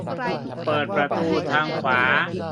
เปิดประตูทางขวา